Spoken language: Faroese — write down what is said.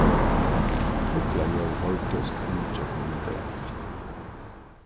fuglaljóð hoyrdist inn gjøgnum vindeygað